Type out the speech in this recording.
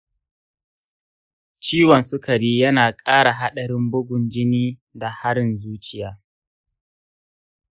ciwon sukari yana ƙara haɗarin bugun jini da harin zuciya.